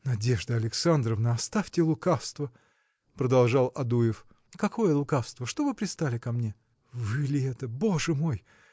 – Надежда Александровна, оставьте лукавство! – продолжал Адуев. – Какое лукавство? что вы пристали ко мне? – Вы ли это? Боже мой!